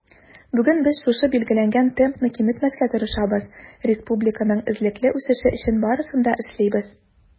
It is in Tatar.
Бүген без шушы билгеләнгән темпны киметмәскә тырышабыз, республиканың эзлекле үсеше өчен барысын да эшлибез.